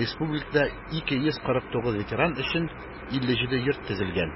республикада 249 ветеран өчен 57 йорт төзелгән.